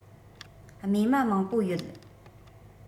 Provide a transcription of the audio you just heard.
རྨས མ མང པོ ཡོད